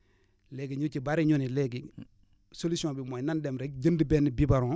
léegi ñu ci bëre ñu ne léegi solution bi mooy nan dem rek jënd benn biberon